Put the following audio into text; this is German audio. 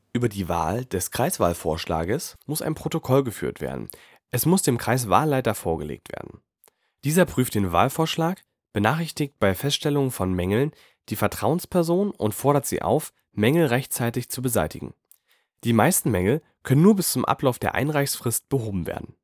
Über die Wahl des Kreiswahlvorschlages muss ein Protokoll geführt werden; es muss dem Kreiswahlleiter vorgelegt werden. Dieser prüft den Wahlvorschlag, benachrichtigt bei Feststellung von Mängeln die Vertrauensperson und fordert sie auf, Mängel rechtzeitig zu beseitigen. Die meisten Mängel können nur bis zum Ablauf der Einreichsfrist behoben werden